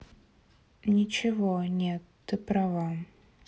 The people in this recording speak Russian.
ничего нет ты права